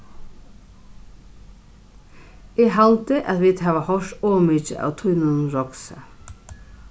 eg haldi at vit hava hoyrt ov mikið av tínum roksi